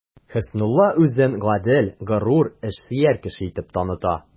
Хөснулла үзен гадел, горур, эшсөяр кеше итеп таныта.